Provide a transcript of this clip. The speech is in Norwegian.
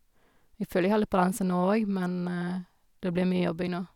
Jeg føler jeg har litt balanse nå òg, men det blir mye jobbing nå.